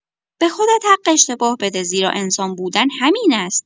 به خودت حق اشتباه بده زیرا انسان بودن همین است.